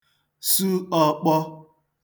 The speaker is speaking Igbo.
su ọ̄kpọ̄